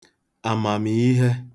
amamiihe